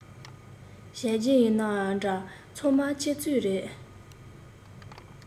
བྱས རྗེས ཡིན ནའང འདྲ ཚང མ ཁྱེད ཚོའི རེད